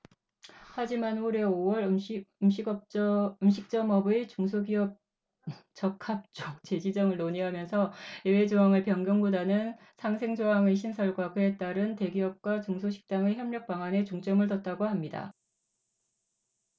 하지만 올해 오 월 음식점업의 중소기업적합업종 재지정을 논의하면서 예외조항을 변경보다는 상생 조항의 신설과 그에 따른 대기업과 중소식당의 협력 방안에 중점을 뒀다고 합니다